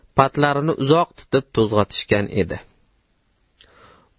patlarini uzoq titib to'zg'itgan edi